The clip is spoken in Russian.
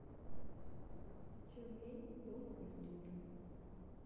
тюмень дом культуры